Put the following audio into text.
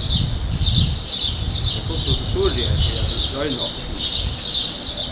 tey fluttu til suðuroyar fyri at royna okkurt nýtt